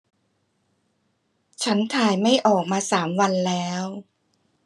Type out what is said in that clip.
ฉันถ่ายไม่ออกมาสามวันแล้ว